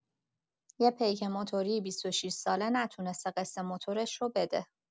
یه پیک موتوری ۲۶ ساله نتونسته قسط موتورش رو بده.